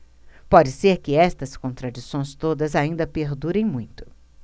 pode ser que estas contradições todas ainda perdurem muito